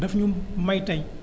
daf ñu may tey